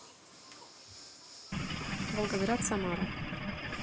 волгоград самара